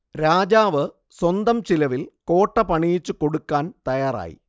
രാജാവ് സ്വന്തം ചിലവിൽ കോട്ട പണിയിച്ചു കൊടുക്കാൻ തയ്യാറായി